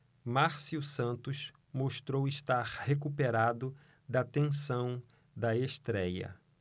márcio santos mostrou estar recuperado da tensão da estréia